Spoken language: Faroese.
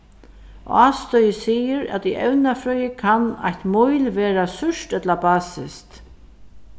ástøðið sigur at í evnafrøði kann eitt mýl vera súrt ella basiskt